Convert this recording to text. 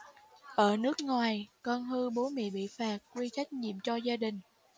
ở nước ngoài con hư bố mẹ bị phạt quy trách nhiệm cho gia đình